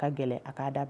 A ka gɛlɛn a' da daminɛ